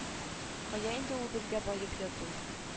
Кая инде ул безгә баеп яту